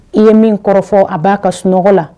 I ye min kɔrɔfɔ a b'a ka sunɔgɔ la.